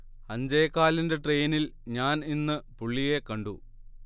അഞ്ചേകാലിന്റെ ട്രെയിനിൽ ഞാൻ ഇന്ന് പുള്ളിയെ കണ്ടു